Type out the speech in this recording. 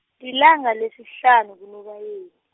lilanga lesihlanu kuNobayeni.